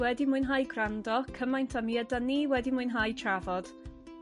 wedi mwynhau gwrando cymaint â mi ydan ni wedi mwynhau trafod.